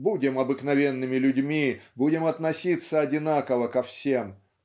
Будем обыкновенными людьми, будем относиться одинаково ко всем